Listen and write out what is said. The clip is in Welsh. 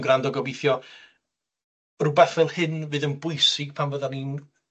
###grando gobeithio rwbath fel hyn fydd yn bwysig pan fyddan ni'n